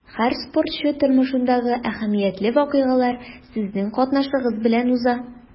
Һәр спортчы тормышындагы әһәмиятле вакыйгалар сезнең катнашыгыз белән уза.